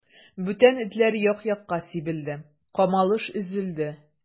Бүтән этләр як-якка сибелде, камалыш өзелде.